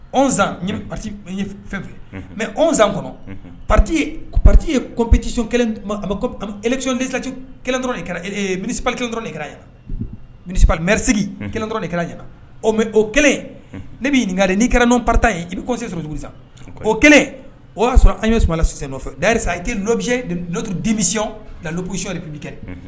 Fɛnfɛ mɛ o zan kɔnɔ pati pati ye koptiti miniri kelen dɔrɔn nin kɛra ɲɛnarisiri dɔrɔn ni kɛra ɲɛna o mɛ o kelen ne bɛ ɲininkaka n'i kɛra n nɔnɔn pata ye i bɛ kɔnse sabaginsan o kelen o y'a sɔrɔ an ye sulasi nɔfɛ darisa i bisiyɛn n'o to denmusomisiy la siy de bibi kɛ